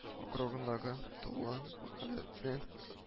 Округындагы тулы вәкаләтле